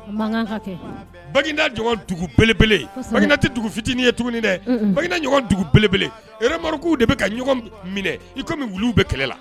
Da beleele tɛ dugu fitinin ye tuguni dɛ belebele de bɛ ɲɔgɔn minɛ i wu bɛ kɛlɛ la